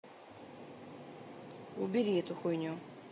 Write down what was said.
убери эту хуйню